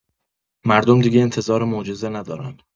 مردم دیگه انتظار معجزه ندارن.